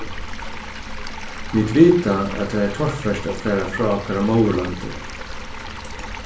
vit vita at tað er torført at fara frá okkara móðurlandi